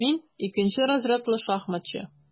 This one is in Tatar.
Мин - икенче разрядлы шахматчы.